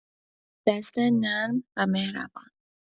دست نرم و مهربان